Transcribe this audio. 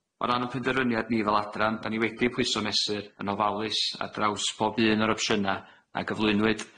O ran 'yn penderfyniad ni fel adran, 'dan ni wedi pwyso a mesur yn ofalus ar draws bob un o'r opsiyna' a gyflwynwyd.